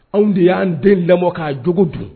Anw de y'an den lamɔbɔ k'a jugu dun